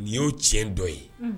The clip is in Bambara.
Nin y'o tiɲɛ dɔ ye